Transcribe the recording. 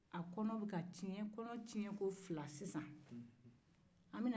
nin ye kɔnɔ tiɲɛko fila ye sisan